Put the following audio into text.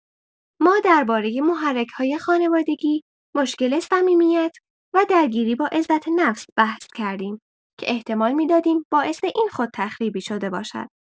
ما درباره محرک‌های خانوادگی، مشکل صمیمیت و درگیری با عزت‌نفس بحث کردیم که احتمال می‌دادیم باعث این خودتخریبی شده باشد.